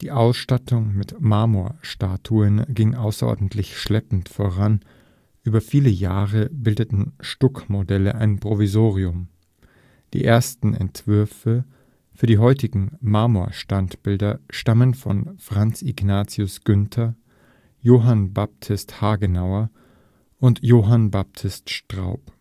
Ausstattung mit Marmorstatuen ging außerordentlich schleppend voran, über viele Jahre bildeten Stuckmodelle ein Provisorium. Die ersten Entwürfe für die heutigen Marmorstandbilder stammten von Franz Ignaz Günther, Johann Baptist Hagenauer und Johann Baptist Straub